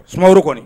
Sumaworo kɔnni